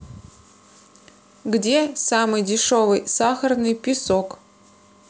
где самый дешевый сахарный песок